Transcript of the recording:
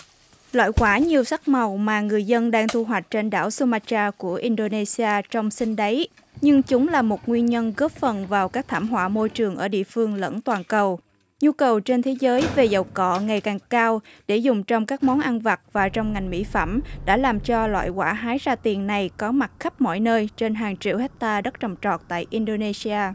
loại quả nhiều sắc màu mà người dân đang thu hoạch trên đảo su ma tra của in đô nê si a trông xinh đấy nhưng chúng là một nguyên nhân góp phần vào các thảm họa môi trường ở địa phương lẫn toàn cầu nhu cầu trên thế giới về dầu cọ ngày càng cao để dùng trong các món ăn vặt và trong ngành mỹ phẩm đã làm cho loại quả hái ra tiền này có mặt khắp mọi nơi trên hàng triệu héc ta đất trồng trọt tại in đô nê si a